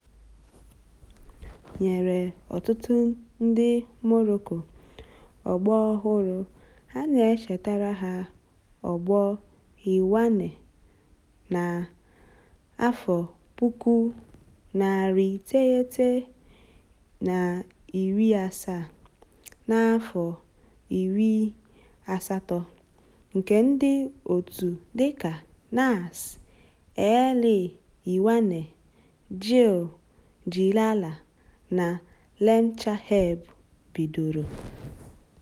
Nyere ọtụtụ ndị Morocco, ọgbọ ọhụrụ a na-echetara ha ọgbọ Ghiwane na 1970s na 80s, nke ndịòtù dịka Nass El Ghiwane, Jil Jilala na Lemchaheb bidoro.